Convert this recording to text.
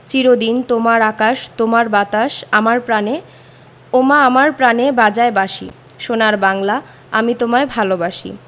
চির দিন তোমার আকাশ তোমার বাতাস আমার প্রাণে ওমা আমার প্রানে বাজায় বাঁশি সোনার বাংলা আমি তোমায় ভালোবাসি